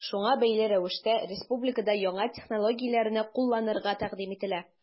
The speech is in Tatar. Шуңа бәйле рәвештә республикада яңа технологияне кулланырга тәкъдим ителә.